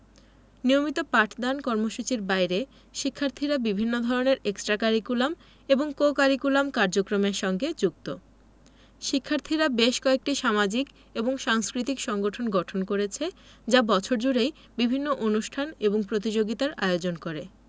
নিয়মিত পাঠদান কর্মসূচির বাইরে শিক্ষার্থীরা বিভিন্ন ধরনের এক্সটা কারিকুলাম এবং কো কারিকুলাম কার্যক্রমরে সঙ্গে যুক্ত শিক্ষার্থীরা বেশ কয়েকটি সামাজিক এবং সাংস্কৃতিক সংগঠন গঠন করেছে যা বছর জুড়েই বিভিন্ন অনুষ্ঠান এবং প্রতিযোগিতার আয়োজন করে